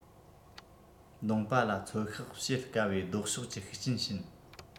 མདོང པ ལ ཚོད དཔག བྱེད དཀའ བའི ལྡོག ཕྱོགས ཀྱི ཤུགས རྐྱེན བྱིན